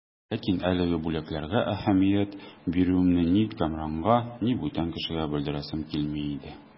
Ләкин әлеге бүләкләргә әһәмият бирүемне ни Кәмранга, ни бүтән кешегә белдерәсем килми иде.